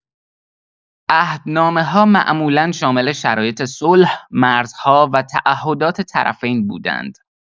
عهدنامه‌ها معمولا شامل شرایط صلح، مرزها و تعهدات طرفین بودند.